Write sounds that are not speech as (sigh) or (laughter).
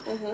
(hesitation) (hesitation)